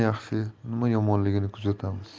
yaxshi nima yomonligini kuzatamiz